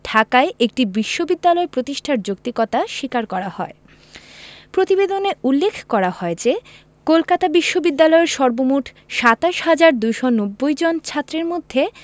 ঢাকায় একটি বিশ্ববিদ্যালয় প্রতিষ্ঠার যৌক্তিকতা স্বীকার করা হয় প্রতিবেদনে উল্লেখ করা হয় যে কলকাতা বিশ্ববিদ্যালয়ের সর্বমোট ২৭ হাজার ২৯০ জন ছাত্রের মধ্যে